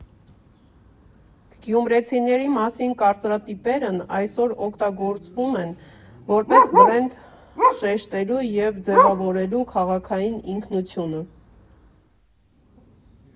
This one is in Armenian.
Գյումրեցիների մասին կարծրատիպերն այսօր օգտագործվում են որպես բրենդ՝ շեշտելու և ձևավորելու քաղաքային ինքնությունը։